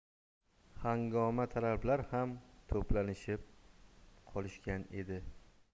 hangomatalablar ham to'planishib qolishgan edi